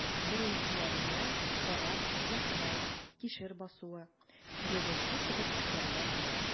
Беренчеләренә «Карак», «Зәхмәт», «Кишер басуы», «Күрәзәче» кебек әсәрләр керә.